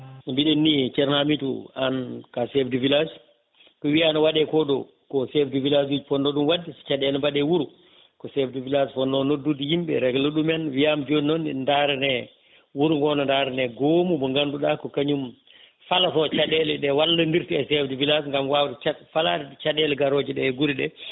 no mbiɗen ni ceerno Hamidou an ko chef de village ko wiiya ne waɗe koɗo ko chef de village uji ponno ɗum wadde so caɗele mbaɗe wuuro ko chef de village fonno noddude yimɓe régle a ɗumen wiyama joni noon ne daarane wuuro ngo ne daarane goomu mo ganduɗa ko kañum falato caɗele ɗe wallodirta e chef de village gam wawde tef falade caɗele garoje ɗe e guure ɗe